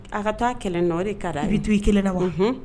A ka taa kɛlɛ nɔ de ka a bɛ to i kɛlɛ la wa h